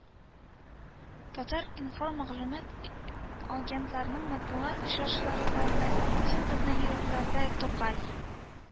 “татар-информ” мәгълүмат агентлыгының матбугат очрашулары залында “син безнең йөрәкләрдә, тукай